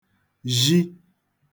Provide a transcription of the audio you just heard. zhi